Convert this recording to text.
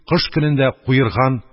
Кыш көнендә, куерган,